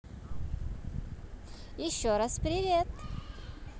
еще раз привет